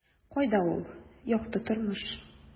Кайда ул - якты тормыш? ..